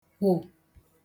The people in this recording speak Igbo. kwò